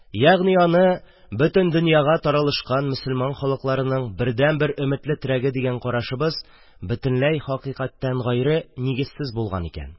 Ягъни аны бөтен донъяга таралышкан мосылман халыкларының бердәнбер өметле терәге дигән карашыбыз бөтенләй хакыйкатьтән гайре, нигезсез булган икән.